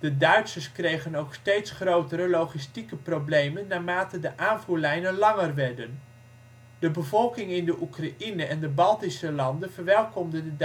De Duitsers kregen ook steeds grotere logistieke problemen naarmate de aanvoerlijnen langer werden. De bevolking in de Oekraïne en de Baltische landen verwelkomde